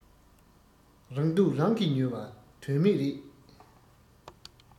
རང སྡུག རང གིས ཉོ བ དོན མེད རེད